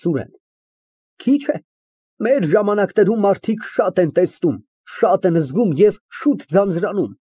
ՍՈՒՐԵՆ ֊ Քի՞չ է։ Մեր ժամանակներում մարդիկ շատ են տեսնում, շատ են զգում և շուտ ձանձրանում։